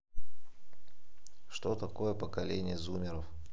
что такое поколение зумеров